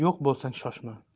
yo'q bo'lsang shoshma